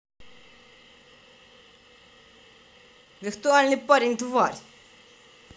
виртуальный парень тварь